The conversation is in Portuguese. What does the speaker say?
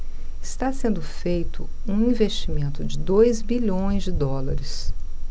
está sendo feito um investimento de dois bilhões de dólares